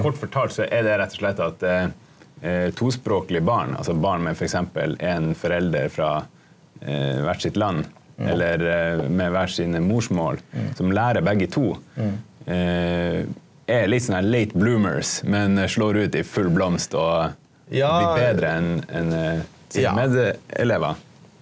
kort fortalt så er det rett og slett at tospråklige barn altså barn med f.eks. en forelder fra hvert sitt land eller med hver sine morsmål som lærer begge to er litt sånn der men slår ut i full blomst og blir bedre enn enn sine medelever.